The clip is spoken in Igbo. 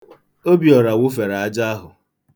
Obiọra wụfere aja ahụ.